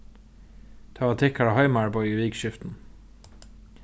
tað var tykkara heimaarbeiði í vikuskiftinum